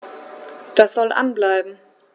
Das soll an bleiben.